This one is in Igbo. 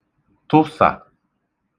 tụsà